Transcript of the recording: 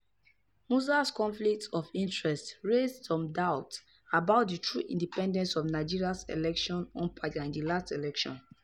Musa’s conflict of interest raised some doubts about the true independence of Nigeria’s election umpire in the last election.